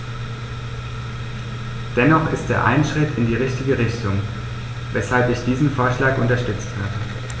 Dennoch ist er ein Schritt in die richtige Richtung, weshalb ich diesen Vorschlag unterstützt habe.